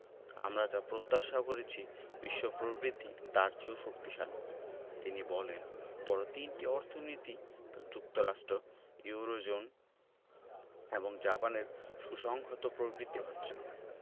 আমরা যা প্রত্যাশা করেছি বিশ্ব প্রবৃদ্ধি তার চেয়েও শক্তিশালী তিনি বলেন বড় তিনটি অর্থনীতি যুক্তরাষ্ট্র ইউরোজোন এবং জাপানের সুসংহত প্রবৃদ্ধি হচ্ছে